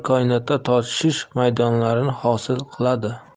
koinotda tortishish maydonlarini hosil qiladi